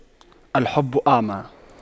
الحب أعمى